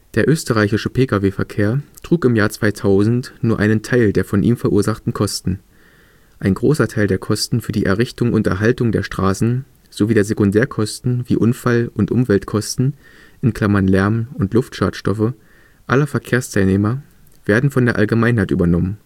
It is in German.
Der österreichische Pkw-Verkehr trug im Jahr 2000 nur einen Teil der von ihm verursachten Kosten: Ein großer Teil der Kosten für die Errichtung und Erhaltung der Straßen sowie der Sekundärkosten wie Unfall - und Umweltkosten (Lärm, Luftschadstoffe) aller Verkehrsteilnehmer werden von der Allgemeinheit übernommen